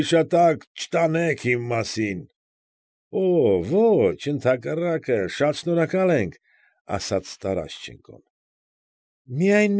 Հիշատակ չտանեք իմ մասին։ ֊ Օօ՜, ոչ, ընդհակառակը, շատ շնորհակալ ենք,֊ ասաց Տարաշչենկոն։ ֊ Միայն։